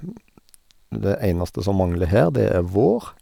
Det eneste som mangler her, det er vår.